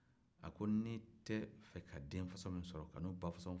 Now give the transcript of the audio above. a ko n'i t'a fɛ ka denmuso min sɔrɔ ka n'o ba furu